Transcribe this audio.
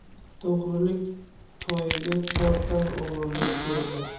to'g'rilik to'iga tortar o'g'rilik go'iga